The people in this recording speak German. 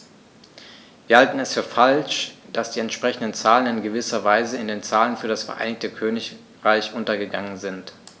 Wir halten es für falsch, dass die entsprechenden Zahlen in gewisser Weise in den Zahlen für das Vereinigte Königreich untergegangen sind.